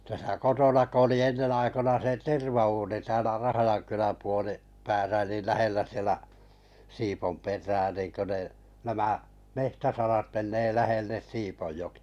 tässä kotona kun oli ennen aikoina se tervauuni täällä Rahjankylän - puolipäässä niin lähellä siellä Siiponperää niin kun ne nämä metsäsarat menee lähelle Siiponjokea